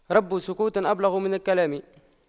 رب سكوت أبلغ من كلام